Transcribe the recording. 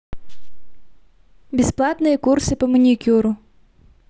бесплатные курсы по маникюру